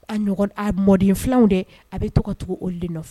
A ɲɔgɔn a mɔden filanw dɛ a bɛ too ka tugu olu de nɔfɛ